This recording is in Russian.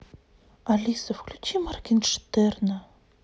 алиса включи моргенштерна